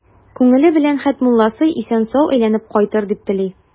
Күңеле белән Хәтмулласы исән-сау әйләнеп кайтыр дип тели.